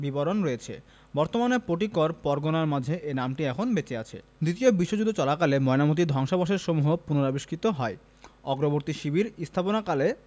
বিবরণ আছে বর্তমানে পটিকর পরগনার মাঝে এ নামটি এখন বেঁচে আছে দ্বিতীয় বিশ্বযুদ্ধ চলাকালে ময়নামতীর ধ্বংসাবশেষসমূহ পুনরাবিষ্কৃত হয় অগ্রবর্তী শিবির স্থাপনকালে